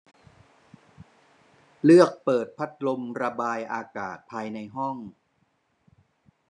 เลือกเปิดพัดลมระบายอากาศภายในห้อง